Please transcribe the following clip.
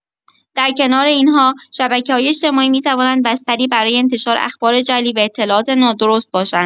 در کنار این‌ها، شبکه‌های اجتماعی می‌توانند بستری برای انتشار اخبار جعلی و اطلاعات نادرست باشند.